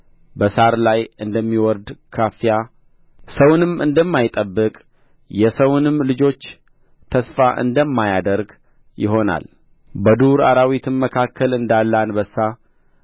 በሣር ላይ እንደሚወድ ካፊያ ሰውንም እንደማይጠብቅ የሰውንም ልጆች ተስፋ እንደማያደርግ ይሆናል በዱር አራዊትም መካከል እንዳለ አንበሳ